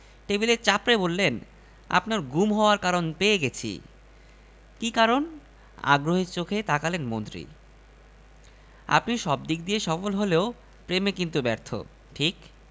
টেবিলে চাপড়ে বললেন আপনার গুম হওয়ার কারণ পেয়ে গেছি কী কারণ আগ্রহী চোখে তাকালেন মন্ত্রী আপনি সব দিক দিয়ে সফল হলেও প্রেমে কিন্তু ব্যর্থ ঠিক